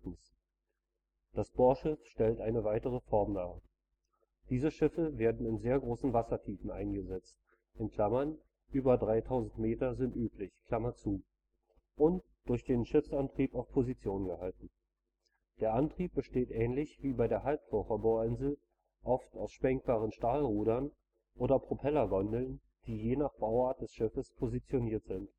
Das Bohrschiff stellt eine weitere Form dar. Diese Schiffe werden in sehr großen Wassertiefen eingesetzt (über 3000 m sind üblich) und durch den Schiffsantrieb auf Position gehalten. Der Antrieb besteht ähnlich wie der Halbtaucherbohrinsel oft aus schwenkbaren Strahlrudern oder Propellergondeln, die je nach Bauart des Schiffes positioniert sind